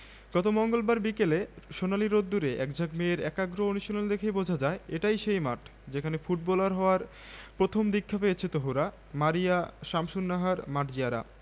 এ ময়মনসিংহ থেকেই উঠে আসা মাহমুদউল্লাহ মোসাদ্দেক হোসেনরা বাংলাদেশ ক্রিকেটে আলো ছড়াচ্ছেন নিয়মিত তবে খেলোয়াড়ি সাফল্যে একটা জনপদ বদলে দেওয়ায় মারিয়াদের ধারেকাছে কেউ কি আছেন